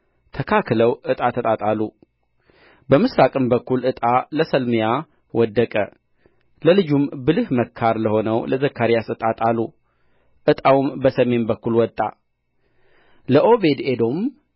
ተካክለው ዕጣ ተጣጣሉ በምሥራቅም በኩል ዕጣ ለሰሌምያ ወደቀ ለልጁም ብልህ መካር ለሆነው ለዘካርያስ ዕጣ ጣሉ ዕጣውም በሰሜን በኩል ወጣ ለዖቤድኤዶም